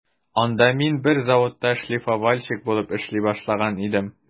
Анда мин бер заводта шлифовальщик булып эшли башлаган идем.